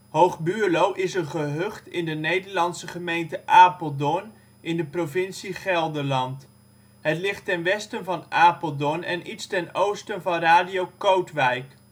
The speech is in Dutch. Hoog Buurlo is een gehucht in de Nederlandse gemeente Apeldoorn (provincie Gelderland). Het ligt ten westen van Apeldoorn en iets ten oosten van Radio Kootwijk